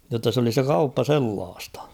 jotta se oli se kauppa sellaista